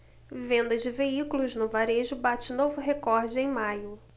venda de veículos no varejo bate novo recorde em maio